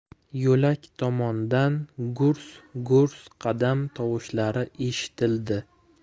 yo'lak tomondan gurs gurs qadam tovushlari eshitildi